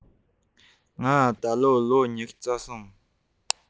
ང ད ལོ ལོ ཉི ཤུ རྩ གསུམ ཡིན